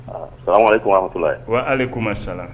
Salamu aleyiku, warahamatulila, waalekumasala